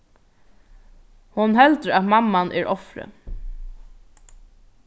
hon heldur at mamman er ofrið